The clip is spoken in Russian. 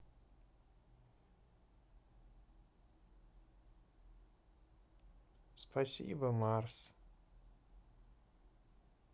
спасибо марс